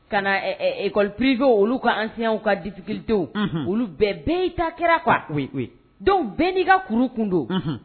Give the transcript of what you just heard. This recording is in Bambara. Ka nakɔ prijɔ olu ka ansiw ka dupkidenw olu bɛɛ bɛɛ' ta kɛra ko dɔw bɛɛ n'i ka k kuru kun don